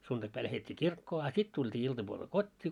sunnuntaipäivänä lähdettiin kirkkoon a sitten tultiin iltapuolella kotiin